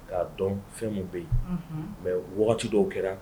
Kaa dɔn fɛnw bɛ yen mɛ wagati dɔw kɛra